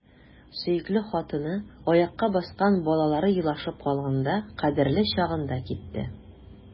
Сөекле хатыны, аякка баскан балалары елашып калганда — кадерле чагында китте!